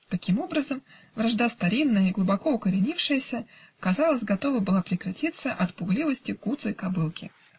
Таким образом вражда старинная и глубоко укоренившаяся, казалось, готова была прекратиться от пугливости куцой кобылки.